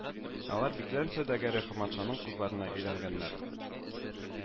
Алар Биклән сәүдәгәре Хаматшаның кызларына өйләнгәннәр